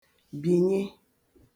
bìnye